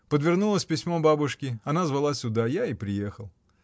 Подвернулось письмо бабушки, она звала сюда, я и приехал.